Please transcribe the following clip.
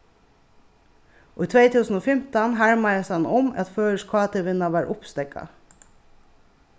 í tvey túsund og fimtan harmaðist hann um at føroysk kt-vinna var uppsteðgað